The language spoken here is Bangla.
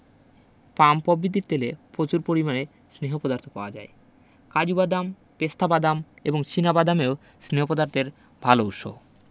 পাম প্রভৃতির তেলে প্রচুর পরিমাণে স্নেহ পদার্থ পাওয়া যায় কাজু বাদাম পেস্তা বাদাম এবং চিনা বাদামও স্নেহ পদার্থের ভালো উৎস